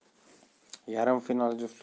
yarim final juftliklari